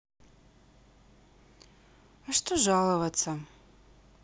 а что жаловаться